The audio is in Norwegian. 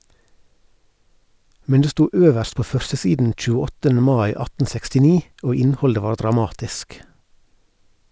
Men det sto øverst på førstesiden 28. mai 1869, og innholdet var dramatisk.